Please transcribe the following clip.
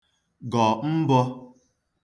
gọ̀ mbọ̄